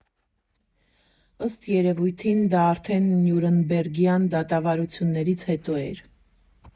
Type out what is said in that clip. Ըստ երևույթին, դա արդեն Նյուրնբերգյան դատավարություններից հետո էր։